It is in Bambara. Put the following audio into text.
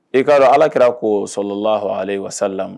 I k'a dɔn Alakira ko sɔlalehuwa salamu